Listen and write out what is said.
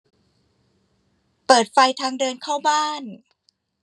เปิดไฟทางเดินเข้าบ้าน